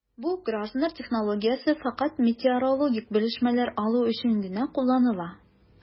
Бу гражданнар технологиясе фәкать метеорологик белешмәләр алу өчен генә кулланыла...